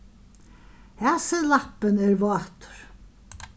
hasin lappin er vátur